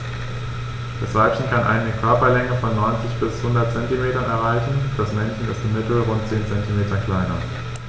Das Weibchen kann eine Körperlänge von 90-100 cm erreichen; das Männchen ist im Mittel rund 10 cm kleiner.